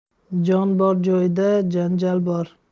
jon bor joyda janjal bor